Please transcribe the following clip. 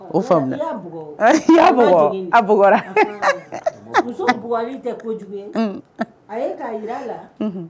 O faamuyala, e y'a bugɔ, e y'a bugɔ, bugɔla, a muso bugɔli tɛ kojugu ye a ye k'a jira a la